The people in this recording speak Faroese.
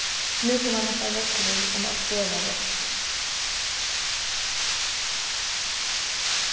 nú koma nakrar reglur um at forða rottu